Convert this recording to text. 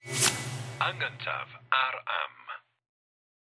Yn gyntaf, ar AM.